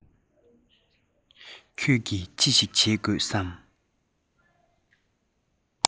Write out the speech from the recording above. ཁྱོད ཀྱིས ཅི ཞིག བྱེད དགོས སམ